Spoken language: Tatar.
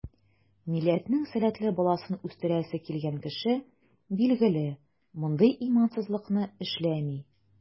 Милләтнең сәләтле баласын үстерәсе килгән кеше, билгеле, мондый имансызлыкны эшләми.